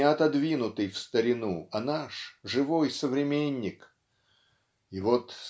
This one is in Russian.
не отодвинутый в старину, а наш живой современник. И вот